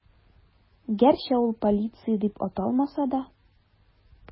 Гәрчә ул полиция дип аталмаса да.